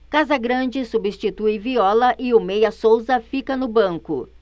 casagrande substitui viola e o meia souza fica no banco